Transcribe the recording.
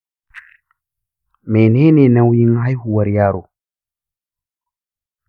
menene nauyin haihuwar yaron?